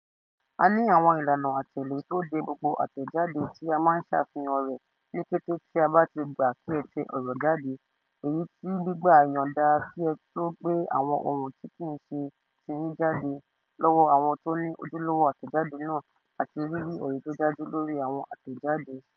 A ní àwọn ìlànà àtẹ̀lé tó de gbogbo àtẹ̀jáde tí a máa ṣàfihàn rẹ̀ ní kété tí a bá ti gbà kí ẹ tẹ ọ̀rọ̀ jáde, èyí tí gbígba ìyọ̀nda kí ẹ tóo gbé àwọn ohun tí kìí ṣe tiyín jáde lọ́wọ́ àwọn tó ni ojúlówó àtẹ̀jáde náà àti rírí ẹ̀rí tó dájú lórí àwọn àtẹ̀jadé.